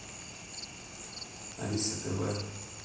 алиса тв